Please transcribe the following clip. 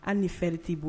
An ni fɛɛrɛti bolo